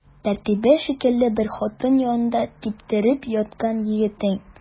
Тәртибе шикле бер хатын янында типтереп яткан егетең.